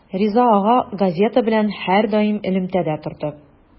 Риза ага газета белән һәрдаим элемтәдә торды.